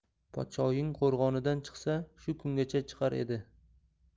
podshoying qo'rg'onidan chiqsa shu kungacha chiqar edi